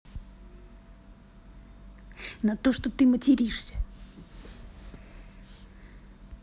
на то что ты материшься